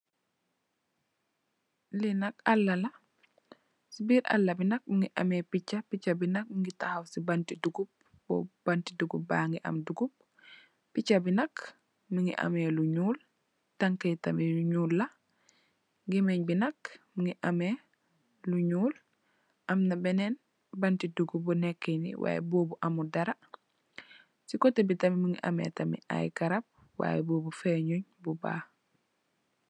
Lee nak alla la se birr alla be nak muge ameh pecha pecha be nak muge tahaw se bante dugub bante dugub bage am dugub pecha be nak muge ameh lu nuul tanke ye tamin yu nuul la gemeng be nak muge ameh lu nuul amna benen bante dugub bu neke nee way bobu amut dara se koteh be tamin muge ameh tamin aye garab y bobu fenug bu bakh.